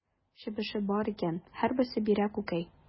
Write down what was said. Чебеше бар икән, һәрберсе бирә күкәй.